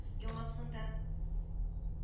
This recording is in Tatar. Яңасын да